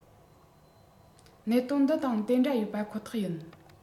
གནད དོན འདི དང དེ འདྲ ཡོད པ ཁོ ཐག ཡིན